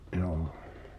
joo